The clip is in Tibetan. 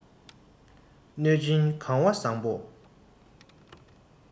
གནོད སྦྱིན གང བ བཟང པོ